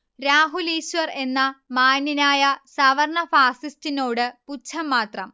രാഹുൽ ഈശ്വർ എന്ന മാന്യനായ സവർണ്ണ ഫാസിസ്റ്റ്നോട് പുച്ഛം മാത്രം